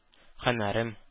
Һөнәрем